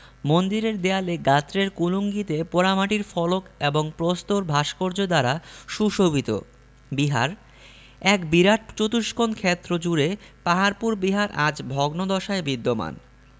মন্দিরের দেয়ালে গাত্রের কুলুঙ্গিতে পোড়ামাটির ফলক এবং প্রস্তর ভাস্কর্য দ্বারা সুশোভিত বিহার এক বিরাট চতুষ্কোণ ক্ষেত্র জুড়ে পাহাড়পুর বিহার আজ ভগ্নদশায় বিদ্যমান